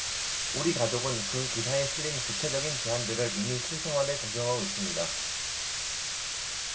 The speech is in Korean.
우리 가족은 그 기사에 실린 구체적인 제안들을 이미 실생활에 적용하고 있습니다